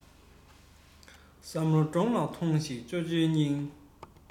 བསམ བློ འདྲོངས ལ ཐོངས ཤིག ཇོ ཇོའི སྙིང